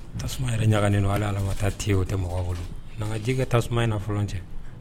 Tasuma yɛrɛ ɲagaani ala waati taa ci o tɛ mɔgɔ bolo jikɛ tasuma in na fɔlɔ cɛ